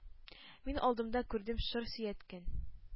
Мин алдымда күрдем шыр сөяктән